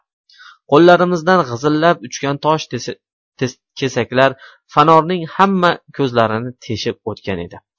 qo'llarimizdan g'izillab uchgan tosh kesaklar fanorning hamma ko'zlarini teshib o'tgan edi